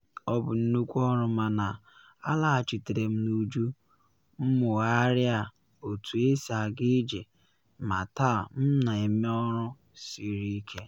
Ọ bụ nnukwu ọrụ mana alaghachitere m n’uju, mụgharịa otu esi aga ije ma taa m na eme ọrụ siri ike!